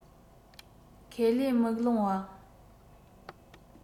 ཁས ལེན མིག ལོང བ